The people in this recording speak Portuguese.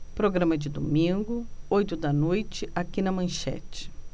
programa de domingo oito da noite aqui na manchete